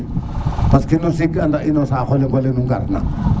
parce que aussi i nda it saxo le nu ngar na